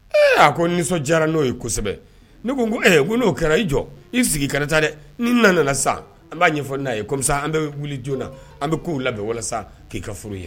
Ee a ko nisɔndi n'o ye kosɛbɛ ne ko ko ko n'o kɛra i jɔ i sigi karatata dɛ ni nana nana sa an b'a ɲɛfɔ n'a yemisa an bɛ wuli joona na an bɛ k ko labɛn bɛ walasa k'i ka furu ye